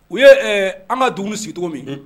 U ye an ka dumuni si cogo min